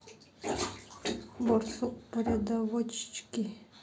борсук порядовочки